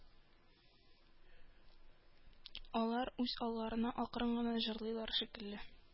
Алар үз алларына акрын гына җырлыйлар шикелле